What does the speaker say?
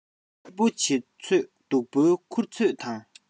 སྐྱིད པོ བྱེད ཚོད སྡུག པོའི འཁུར ཚོད དང